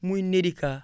muy nerica